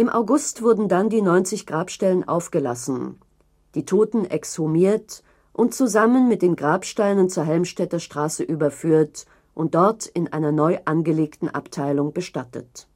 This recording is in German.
August wurden dann die 90 Grabstellen aufgelassen, die Toten exhumiert und zusammen mit den Grabsteinen zur Helmstedter Straße überführt und dort in einer neu angelegten Abteilung bestattet